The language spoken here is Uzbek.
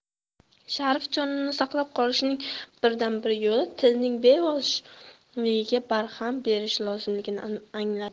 sharif jonini saqlab qolishning birdan bir yo'li tilning bevoshligiga barham berishi lozimligini angladi